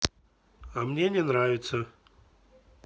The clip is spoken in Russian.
а мне не нравится